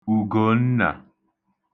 Ùgònnà